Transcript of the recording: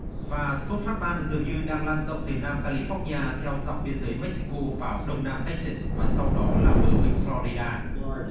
và sốt phát ban dường như đang lan rộng từ nam ca li phóc nhi a theo dọc biên giới mếch xi cô vào đông nam tếch xịt và sau đó là bờ vịnh phờ lo đi đa